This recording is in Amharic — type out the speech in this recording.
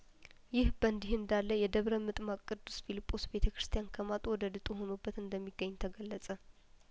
ይህ በእንዲህ እንዳለ የደብረምጥማቅ ቅዱስ ፊልጶስ ቤተክርስቲያን ከማጡ ወደ ድጡ ሆኖበት እንደሚገኝ ተገለጸ